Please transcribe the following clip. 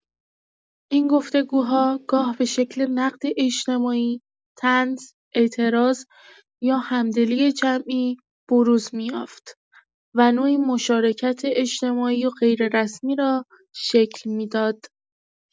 این گفت‌وگوها گاه به شکل نقد اجتماعی، طنز، اعتراض یا همدلی جمعی بروز می‌یافت و نوعی مشارکت اجتماعی غیررسمی را شکل می‌داد.